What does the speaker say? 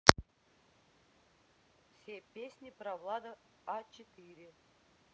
все песни про влада а четыре